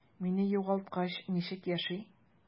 Мине югалткач, ничек яши?